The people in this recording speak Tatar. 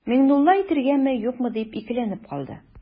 Миңнулла әйтергәме-юкмы дип икеләнеп калды.